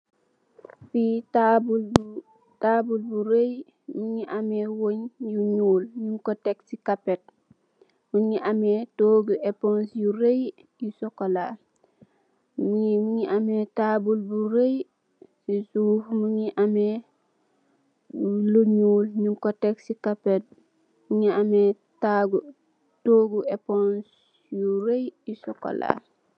Fi tabul la batul bu raay mogi ameh wung bu nuul nyun ko teck so carpet mogi ameh togu epongs yu raay yu chocola magi ameh tabul bi raay mogi ameh lu nuul nyun ko teck si carpet mogi ameh tabul togu epongs bu raay bu chocola.